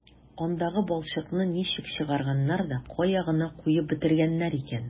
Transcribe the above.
Андагы балчыкны ничек чыгарганнар да кая гына куеп бетергәннәр икән...